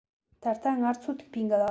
ད ལྟ ང ཚོར ཐུག པའི འགལ བ